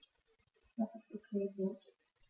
Das ist ok so.